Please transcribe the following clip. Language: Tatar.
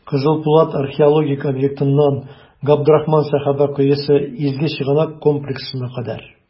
«кызыл пулат» археологик объектыннан "габдрахман сәхабә коесы" изге чыганак комплексына кадәр.